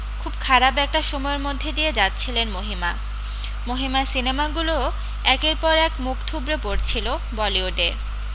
খুব খারাপ একটা সময়ের মধ্যে দিয়ে যাচ্ছিলেন মহিমা মহিমার সিনেমাগুলোও একের পর এক মুখ থুবড়ে পড়ছিল বলিউডে